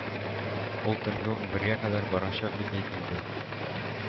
Ул төнге унбергә кадәр барачак дип әйтелде